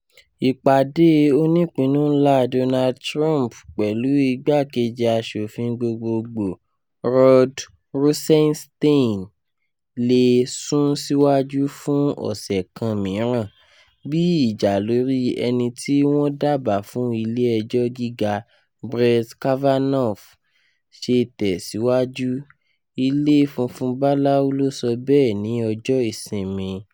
Ìpàdé onípinnu-ńlá Donald Trump pẹ̀lú ìgbákejì àṣòfin gbogbogbò Rod Rosenstein le “sún síwájú fún ọ̀ṣẹ̀ kan mìíràn” bí ìjà lórí ẹnítí wọn dábàá fún ilé ẹjọ́ gíga Brett kavanaugh ṣe tẹ́ ṣíwájú, Ilé Funfun Báláú ló sọ bẹ́ẹ̀ ní Ọjọ́ ìsinmi.